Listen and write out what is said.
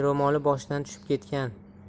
ro'moli boshidan tushib ketgan